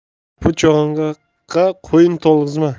puch yong'oqqa qo'yin to'lg'azma